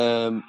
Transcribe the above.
Yym